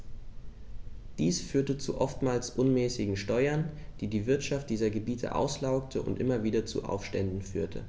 Dies führte zu oftmals unmäßigen Steuern, die die Wirtschaft dieser Gebiete auslaugte und immer wieder zu Aufständen führte.